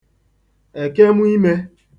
èkemụimē